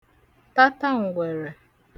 tataǹgwèrè